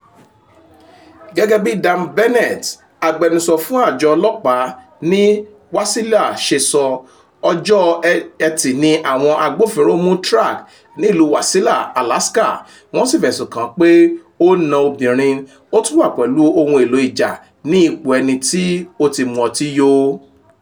Gẹ́gẹ́ bí Dan Bennett, agbẹnusọ fún àjọ ọlọ́pàá mí Wasilla ṣe sọ, Ọjọ ẹtì ni àwọn agbófinró mú Track ní ìlú Wasilla, Alaska, wọ́n sì fẹ̀sùn kàn án pé ò na obìnrin, ó tún wà pẹ̀lú ohun èlò ìjà ní ipò ẹni ti ó ti mú ọtí yó.